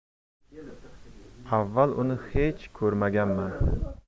avval uni hech ko'rmaganman